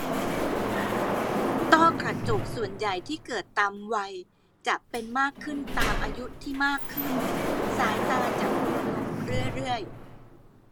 ต้อกระจกส่วนใหญ่ที่เกิดตามวัยจะเป็นมากขึ้นตามอายุที่มากขึ้นสายตาจะมัวลงเรื่อยเรื่อย